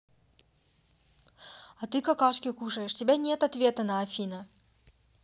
а ты какашки кушаешь тебя нет ответа на афина